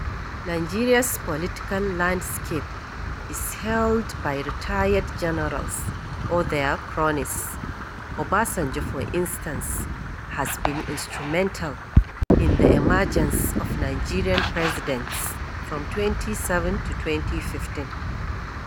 Nigeria’s political landscape is held by retired generals or their cronies. Obasanjo, for instance, has been instrumental in the emergence of Nigerian presidents from 2007 to 2015.